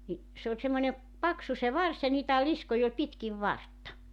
niin se oli semmoinen paksu se varsi ja niitä liskoja oli pitkin vartta